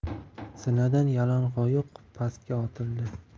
zinadan yalang'oyoq pastga otildi